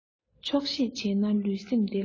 ཆོག ཤེས བྱས ན ལུས སེམས བདེ ལ འཇོག